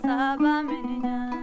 sabaminiyan